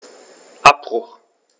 Abbruch.